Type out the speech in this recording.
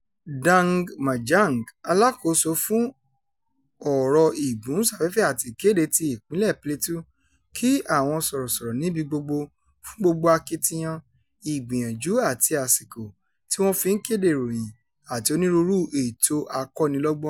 Dan Manjang, alákòóso fún oọ̀rọ̀ ìgbóhùnsáfẹ́fẹ́ àti ìkéde ti Ìpínlẹ̀ Plateau, kí àwọn sọ̀rọ̀sọ̀rọ̀ níbi gbogbo fún "gbogbo akitiyan, ìgbìyànjú àti àsìkò" tí wọ́n fi ń kéde ìròyìn àti onírúurú ètò akọ́nilọ́gbọ́n: